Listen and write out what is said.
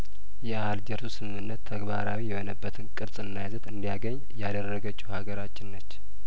የአልጀርሱ ስምምነት ተግባራዊ የሆነበትን ቅርጽና ይዘት እንዲያገኝ ያደረገችው ሀገራችን ነች